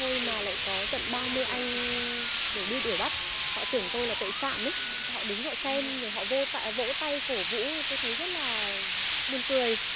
thôi mà lại có tận ba mươi anh để đưa đuổi bắt họ tưởng tôi là tội phạm í họ đứng xem rồi họ vô vạ vỗ tay cổ vũ tôi thấy rất là buồn cười